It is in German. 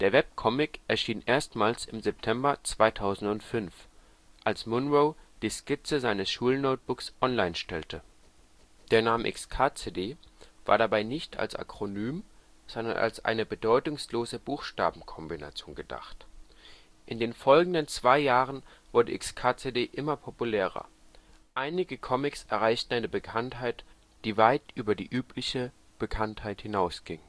Webcomic erschien erstmals im September 2005, als Munroe die Skizze seines Schulnotebooks online stellte. Der Name xkcd war dabei nicht als Akronym, sondern als eine bedeutungslose Buchstabenkombination gedacht. In den folgenden zwei Jahren wurde xkcd immer populärer, einige Comics erreichten eine Bekanntheit die weit über die übliche Besucherzahl hinaus ging